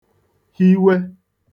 hiwe